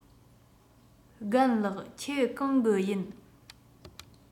རྒན ལགས ཁྱེད གང གི ཡིན